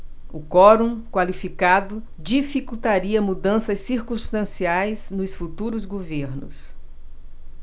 o quorum qualificado dificultaria mudanças circunstanciais nos futuros governos